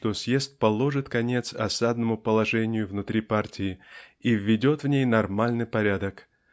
что съезд положит конец "осадному положению" внутри партии и введет в ней нормальный порядок.